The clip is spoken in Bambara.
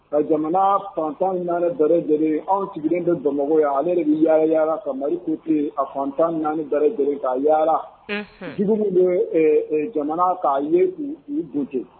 Nka jamana fantan naaniɛrɛ lajɛlen anw sigilenlen bɛ bamakɔ ye ale de bɛ yaa yaa ka malirikute a fantan naani lajɛlen ka yaala jugu bɛ jamana k'a yete